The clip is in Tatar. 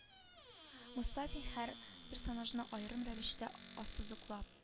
Мостафин һәр персонажны аерым рәвештә ассызыклап